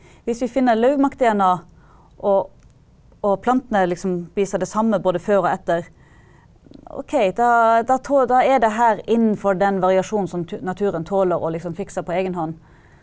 hvis vi finner bjørkemåler-DNA og og planten er liksom viser det samme både før og etter, ok da da da er det her innenfor den variasjonen som naturen tåler og liksom fikser på egenhånd.